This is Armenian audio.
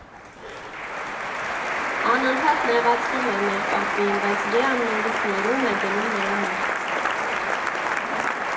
Անընդհատ նեղացնում է մեր կատվին, բայց Լեան նորից ներում է, գնում նրա մոտ։